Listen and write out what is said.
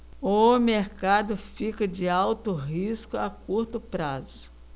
o mercado fica de alto risco a curto prazo